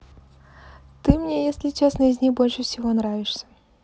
ты мне если честно из них больше всего нравишься